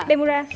béc mu đa